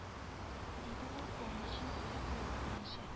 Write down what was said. Диде ул куанычын кая куярга белмичә